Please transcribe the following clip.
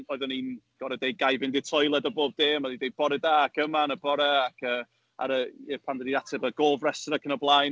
Oedden ni'n gorod deud "Gai fynd i toiled" a bob dim, o'n i'n deud "Bore da" ac "Yma" yn y bore, ac yy, ar y... ie, pan dwi 'di ateb y gofrestr ac yn y blaen.